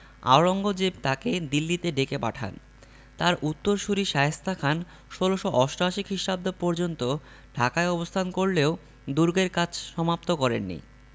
আওরঙ্গজেব তাঁকে দিল্লিতে ডেকে পাঠান তাঁর উত্তরসূরি শায়েস্তা খান ১৬৮৮ খ্রিস্টাব্দ পর্যন্ত ঢাকায় অবস্থান করলেও দুর্গের কাজ সমাপ্ত করেন নি